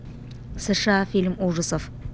сша фильм ужасов